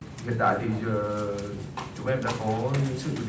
hiện tại thì giờ chúng em đã có